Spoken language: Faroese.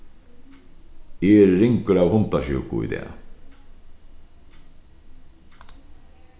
eg eri ringur av hundasjúku í dag